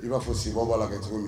I ba fɔ sibɔ ba la ka kɛ cogo min.